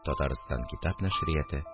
Татарстан китап нәшрияте